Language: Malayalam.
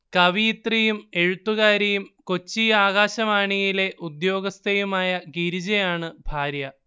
കവിയിത്രിയും എഴുത്തുകാരിയും കൊച്ചി ആകാശവാണിയിലെ ഉദ്യോഗസ്ഥയുമായ ഗിരിജയാണ് ഭാര്യ